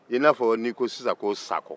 i n'a fɔ n'i ko sisan ko sakɔ